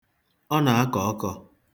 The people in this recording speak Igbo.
Ọ na-akọ ọkọ.